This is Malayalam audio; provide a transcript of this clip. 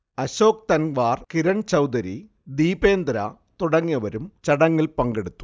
അശോക് തൻവാർ, കിരൺ ചൗധരി, ദീപേന്ദ്ര തുടങ്ങിയവരും ചടങ്ങിൽ പങ്കെടുത്തു